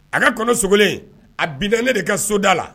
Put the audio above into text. A ka kɔnɔso a bida ne de ka soda la